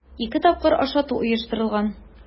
Ике тапкыр ашату оештырылган.